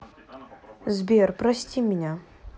сбер прости меня